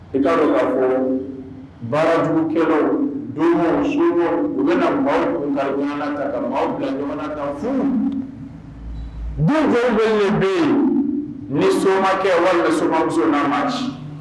I ka dɔn k'a fɔɔ baarajugukɛlaw doomaw somaw u bɛna maaw kunkari ɲɔgɔnna ta ka maaw bila ɲɔgnna ka fu du joli joli de be ye ni soomakɛ walima somamuso n'a m'a ci